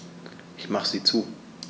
Ich mache sie zu.